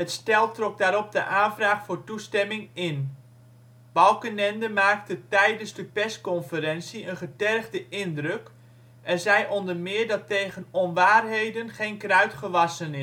stel trok daarop de aanvraag voor toestemming in. Balkenende maakte tijdens de persconferentie een getergde indruk en zei ondermeer dat tegen " onwaarheden geen kruid gewassen